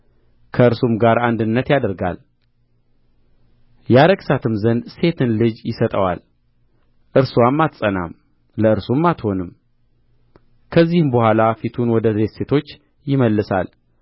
ከእርሱም ጋር አንድነትን ያደርጋል ያረክሳትም ዘንድ ሴትን ልጅ ይሰጠዋል እርስዋም አትጸናም ለእርሱም አትሆንም ከዚህም በኋላ ፊቱን ወደ ደሴቶች ይመልሳል